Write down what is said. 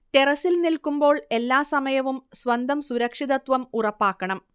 ടെറസ്സിൽ നിൽക്കുമ്പോൾ എല്ലാ സമയവും സ്വന്തം സുരക്ഷിതത്വം ഉറപ്പാക്കണം